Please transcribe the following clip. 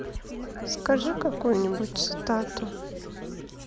скажи какую нибудь цитату